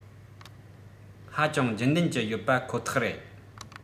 ཧ ཅང རྒྱུན ལྡན གྱི ཡོད པ ཁོ ཐག རེད